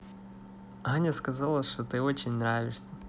аня сказала что ты очень нравишься